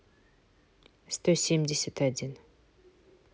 сто семьдесят один